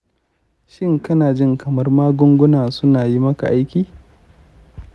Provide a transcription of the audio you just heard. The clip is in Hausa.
shin kana jin kamar magungunan suna yi maka aiki?